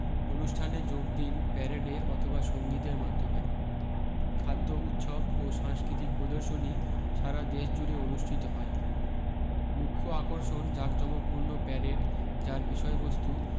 অনুষ্ঠানে যোগ দিন প্যারেডে অথবা সঙ্গীতের মাধ্যমে খাদ্য উৎসব ও সাংস্কৃতিক প্রদর্শনী সারা দেশ জুড়ে অনুষ্ঠিত হয় মুখ্য আকর্ষণ জাঁকজমকপূর্ন প্যারেড যার বিষয়বস্তু